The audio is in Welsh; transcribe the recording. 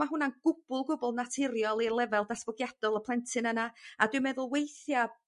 ma' hwnna'n gwbwl gwbwl naturiol i'r lefel datblygiadol y plentyn yna a dwi'n meddwl weithia'